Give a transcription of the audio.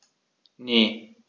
Ne.